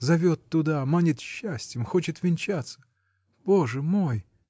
зовет туда, манит счастьем, хочет венчаться. Боже мой!.